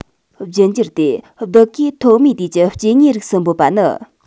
རྒྱུད འགྱུར ཏེ བདག གིས ཐོག མའི དུས ཀྱི སྐྱེ དངོས རིགས སུ འབོད པ ནི